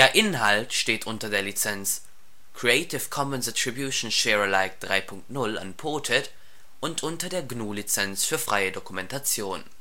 Inhalt steht unter der Lizenz Creative Commons Attribution Share Alike 3 Punkt 0 Unported und unter der GNU Lizenz für freie Dokumentation